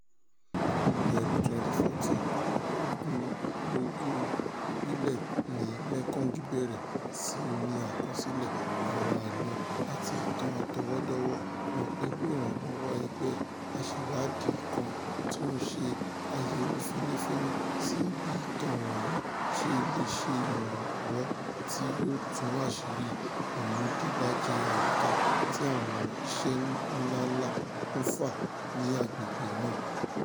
Ní ọdún 2014, ogunlọ́gọ̀ ìbílẹ̀ ní Mekong bẹ̀rẹ̀ sí ní í ṣe àkọsílẹ̀ àwọn àlọ́ àti ìtàn àtọwọ́dọ́wọ́ọ wọn pẹ̀lú ìrànlọ́wọ́ ẹgbẹ́ aṣèwádìí kan tí ó ń ṣe àyẹ̀wò fínnífínní sí bí ìtàn wọ̀nyí ṣe lè ṣe ìrànwọ́ tí yóò tú àṣìírí ìmúdìbàjẹ́ àyíká tí àwọn iṣẹ́ ńláǹlà ń fà ní agbègbè náà.